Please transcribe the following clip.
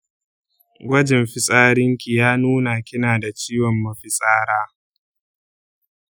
gwajin fitsarinki ya nuna kina da ciwon mafitsara.